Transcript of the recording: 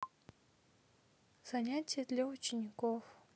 занятия для учеников